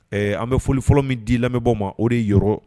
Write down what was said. Ɛɛ an bɛ foli fɔlɔ min di lamɛnmibɔ ma o de yɔrɔ